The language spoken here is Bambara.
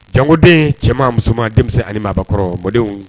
Jangoden cɛman musoman denmisɛnnin ani maakɔrɔ mɔdenw